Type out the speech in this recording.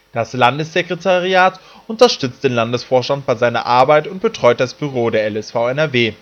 Das Landessekretariat unterstützt den Landesvorstand bei seiner Arbeit und betreut das Büro der LSV NRW